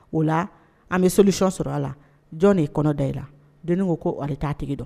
O la an bɛ selilic sɔrɔ a la jɔn de ye kɔnɔ da i la don ko ko o taa tigi dɔn